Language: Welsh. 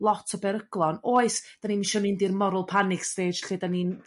lot o beryglon. Oes dyn ni'm isio mynd i'r moral panic stage lle dyn ni'n